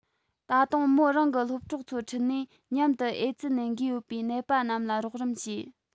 ད དུང མོ རང གི སློབ གྲོགས ཚོ ཁྲིད ནས མཉམ དུ ཨེ ཙི ནད འགོས ཡོད པའི ནད པ རྣམས ལ རོགས རམ བྱས